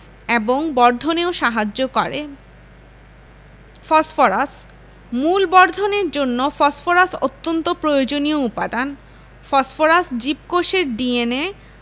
এবং বর্ধনেও সাহায্য করে ফসফরাস মূল বর্ধনের জন্য ফসফরাস অত্যন্ত প্রয়োজনীয় উপাদান ফসফরাস জীবকোষের ডি এন এ